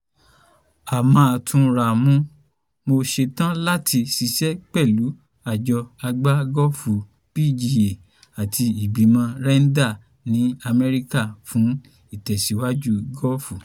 A máa tún ra mú. Mo ṣe tán láti ṣiṣẹ́ pẹ̀lú àjọ agbágọ́ọ̀fù PGA àti ìgbìmọ̀ Ryder ní Amẹ́ríkà fún ìtẹ̀síwájú gọ́ọ̀fù.